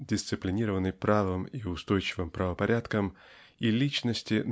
дисциплинированной правом и устойчивым правопорядком и личности